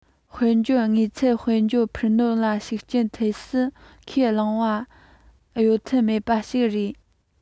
དཔལ འབྱོར དངོས ཚན དཔལ འབྱོར འཕར སྣོན ལ ཤུགས རྐྱེན ཐེབས སྲིད ཁས བླངས པ གཡོལ ཐབས མེད པ ཞིག རེད